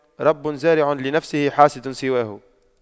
رب زارع لنفسه حاصد سواه